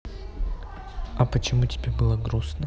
а почему тебе было грустно